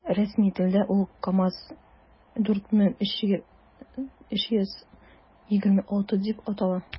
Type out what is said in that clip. Рәсми телдә ул “КамАЗ- 4326” дип атала.